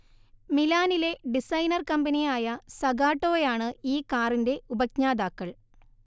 മിലാനിലെ designer കമ്പനിയായ സഗാട്ടോയാണ് ഈ കാറിന്റെ ഉപജ്ഞാതാക്കൾ